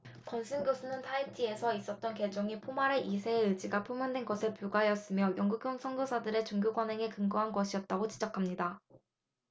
건슨 교수는 타히티에서 있었던 개종이 포마레 이 세의 의지가 표명된 것에 불과하였으며 영국 선교사들의 종교 관행에 근거한 것이었다고 지적합니다